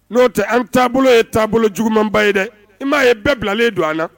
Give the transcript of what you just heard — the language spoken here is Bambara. N'o tɛ an taabolo ye taabolo jugumanba ye dɛ i m'a ye bɛɛ bilalen don an na